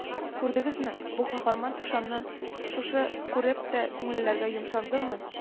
- күрдегезме бу каһарман тушанны, шушы күреп тә күңелләргә йомшандымы